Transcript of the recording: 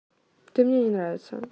ты мне не нравиться